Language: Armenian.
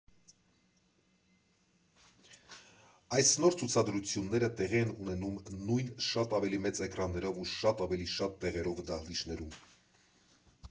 Այս նոր ցուցադրությունները տեղի են ունենում նույն շատ ավելի մեծ էկրաններով ու շատ ավելի շատ տեղերով դահլիճներում։